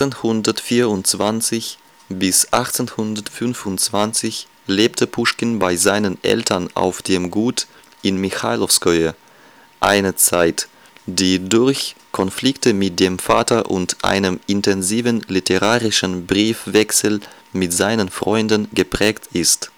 1824 bis 1825 lebte Puschkin bei seinen Eltern auf dem Gut in Michailowskoje, eine Zeit, die durch Konflikte mit dem Vater und einem intensiven literarischen Briefwechsel mit seinen Freunden geprägt ist